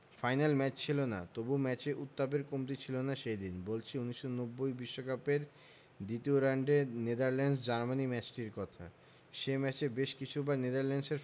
final match ছিল না তবু ম্যাচে উত্তাপের কমতি ছিল না সেদিন বলছি ১৯৯০ বিশ্বকাপের দ্বিতীয় রাউন্ডের নেদারল্যান্ডস জার্মানি ম্যাচটির কথা সে ম্যাচে বেশ কিছুবার নেদারল্যান্ডসের